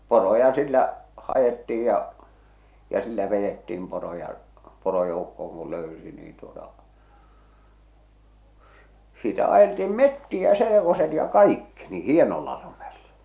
poroja sillä haettiin ja ja sillä vedettiin poroja porojoukkoon kun löysi niin tuota - sitä ajeltiin metsiä selkoset ja kaikki niin hienolla lumella